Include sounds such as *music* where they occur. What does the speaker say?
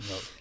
waaw *breath*